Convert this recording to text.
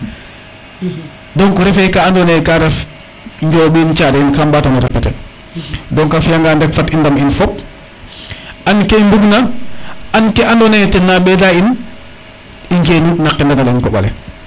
bon commune ke donc refe ka ando naye ka ref Ndiomb in Thiare yin kam mbatano repeter donc a fiya ngan rek fat i ndam in fop an ke i mbug na an ke ando naye tena ɓeda in i ngenu na keɓandale koɓale